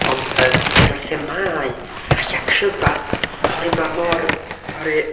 ond, yym, ma'n un o'r themâu, alla cryfa? Oherwydd mae mor, oherwy-